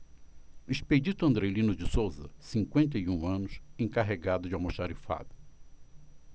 expedito andrelino de souza cinquenta e um anos encarregado de almoxarifado